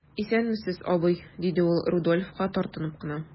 Исәнмесез, абый,– диде ул Рудольфка, тартынып кына.